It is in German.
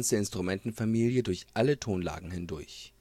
Instrumentenfamilie durch alle Tonlagen hindurch